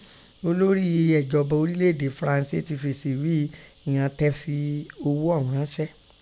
Olori ẹ̀jọba ọrilẹ ede Faransé ti fesi ghí i ighọn tẹ fi ogho ọ̀ún ránṣẹ́.